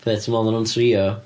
Be ti'n meddwl oedden nhw'n trio?